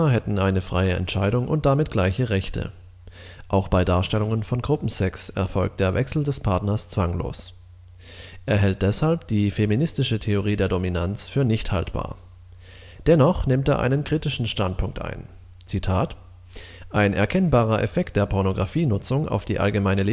hätten eine freie Entscheidung und damit gleiche Rechte. Auch bei Darstellungen von Gruppensex erfolgt der Wechsel des Partners zwanglos. Er hält deshalb die feministische Theorie der Dominanz für nicht haltbar. Dennoch nimmt er einen kritischen Standpunkt ein: „ Ein erkennbarer Effekt der Pornografie-Nutzung auf die allgemeine